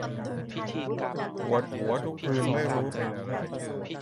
ปวดหัวทุกคืนไม่รู้เป็นอะไร